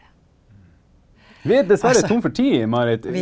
vi er dessverre tom for tid Marit.